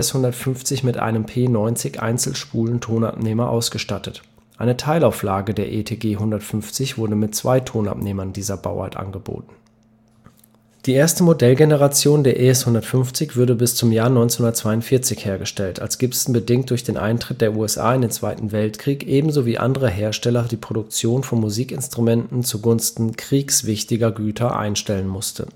ES-150 mit einem P-90-Einzelspulen-Tonabnehmer ausgestattet; eine Teilauflage der ETG-150 wurde mit zwei Tonabnehmern dieser Bauart angeboten. Die erste Modellgeneration der ES-150 wurde bis zum Jahr 1942 hergestellt, als Gibson bedingt durch den Eintritt der USA in den Zweiten Weltkrieg ebenso wie andere Hersteller die Produktion von Musikinstrumenten zugunsten „ kriegswichtiger “Güter einstellen musste